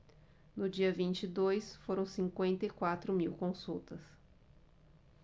no dia vinte e dois foram cinquenta e quatro mil consultas